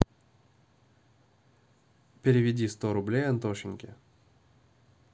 переведи сто рублей антошеньке